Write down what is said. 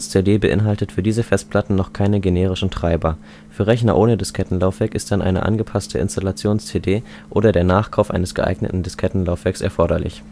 Installations-CD beinhaltet für diese Festplatten noch keine generischen Treiber. Für Rechner ohne Diskettenlaufwerk ist dann eine angepasste Installations-CD oder der Nachkauf eines geeigneten Diskettenlaufwerks erforderlich